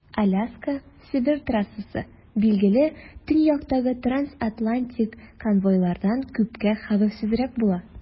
Аляска - Себер трассасы, билгеле, төньяктагы трансатлантик конвойлардан күпкә хәвефсезрәк була.